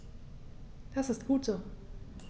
Das ist gut so.